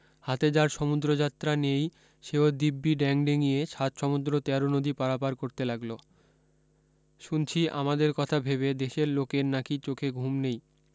হাতে যার সমুদ্রযাত্রা নেই সেও দিব্যি ড্যাংডেঙিয়ে সাত সমুদ্র তেরো নদী পারাপার করতে লাগল শুনছি আমাদের কথা ভেবে দেশের লোকের নাকি চোখে ঘুম নেই